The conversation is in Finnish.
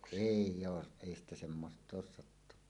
ei ei ole ei sitä semmoista ole sattunut